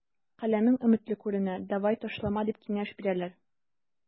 Каләмең өметле күренә, давай, ташлама, дип киңәш бирәләр.